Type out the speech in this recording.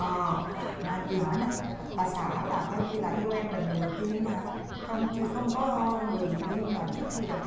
ờ mà chị hỏi nè bà xã là coi như là yêu em là người đầu tiên hả không chưa không có người yêu nào trước khi gặp em